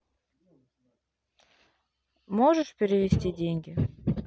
можешь перевести деньги